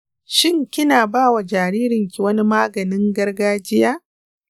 shin kina bawa jaririnki wani maganin gargajiya?